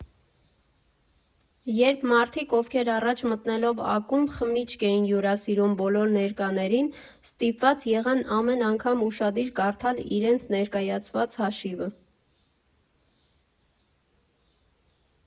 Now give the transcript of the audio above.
Երբ մարդիկ, ովքեր առաջ, մտնելով ակումբ, խմիչք էին հյուրասիրում բոլոր ներկաներին, ստիպված եղան ամեն անգամ ուշադիր կարդալ իրենց ներկայացված հաշիվը։